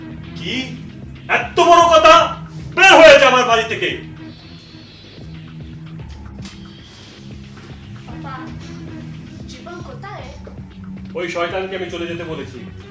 কি এত বড় কথা বের হয়ে যা আমার বাড়ি থেকে বাবা জীবন কোথায় ওই শয়তান কে আমি চলে যেতে বলেছি